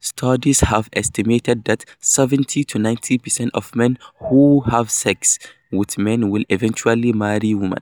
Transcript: studies have estimated that 70-90% of men who have sex with men will eventually marry women.